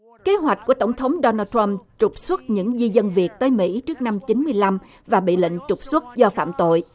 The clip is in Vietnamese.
kế hoạch của tổng thống đô na trăm trục xuất những di dân việt tới mỹ trước năm chín mươi lăm và bị lệnh trục xuất do phạm tội